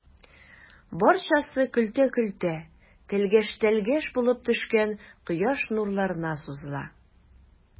Барчасы көлтә-көлтә, тәлгәш-тәлгәш булып төшкән кояш нурларына сузыла.